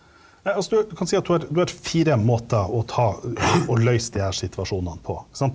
altså du kan si at du har du har fire måter å ta å løyse de her situasjonene på sant.